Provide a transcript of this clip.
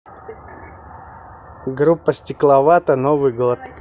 группа стекловата новый год